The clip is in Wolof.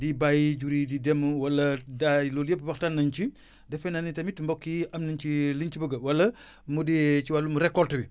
di bàyyi jur yi di dem wala daay loolu yëpp waxtaan nañu ci defee naa ni tamit mbokk yi am nañ ci li ñu ci bëgg wala mu di ci wàllum récolte bi